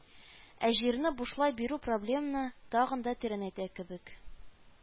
Ә җирне бушлай бирү проблемны тагын да тирәнәйтә кебек